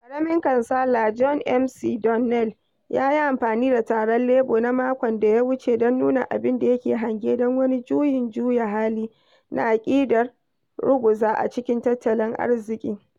Ƙaramin cansala John McDonnell ya yi amfani da taron Labour na makon da ya wuce don nuna abin da yake hange don wani juyin juya hali na aƙidar gurguzu a cikin tattalin arzikin.